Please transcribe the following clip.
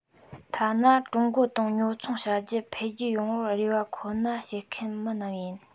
ཐ ན ཀྲུང གོ དང ཉོ ཚོང བྱ རྒྱུ འཕེལ རྒྱས ཡོང བར རེ བ ཁོ ན བྱེད མཁན མི རྣམས ཡིན